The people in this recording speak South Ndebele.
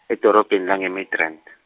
edorobheni lange- Midrand.